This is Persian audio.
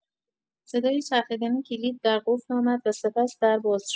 صدای چرخیدن کلید در قفل آمد و سپس، در باز شد.